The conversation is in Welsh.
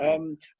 Yym